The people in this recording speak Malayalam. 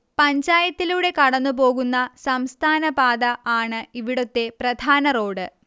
പഞ്ചായത്തിലൂടെ കടന്നുപോകുന്ന സംസ്ഥാനപാത ആണ് ഇവിടുത്തെ പ്രധാന റോഡ്